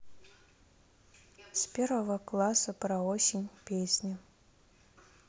с первого класса про осень песни